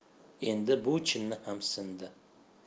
endi bu chinni ham sindi